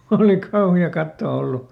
oli kauhea katsoa ollut